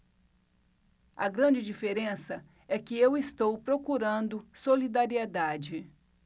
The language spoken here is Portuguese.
a grande diferença é que eu estou procurando solidariedade